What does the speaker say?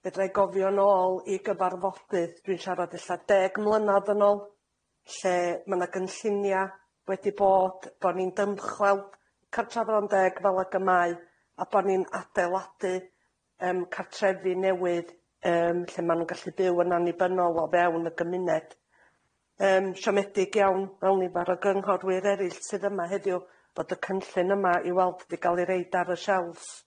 Fedrai gofio nôl i gyfarfodydd dwi'n siarad ella deg mlynadd yn ôl lle ma' na gynllunia wedi bod bo' ni'n dymchweld cartra Frondeg fel ag y mae a bo' ni'n adeiladu yym cartrefi newydd yym lle ma' nw'n gallu byw yn annibynnol o fewn y gymuned, yym siomedig iawn mewn i barog yng nghorwyr eryll sydd yma heddiw fod y cynllun yma i weld wedi ga'l i reid ar y shelfs.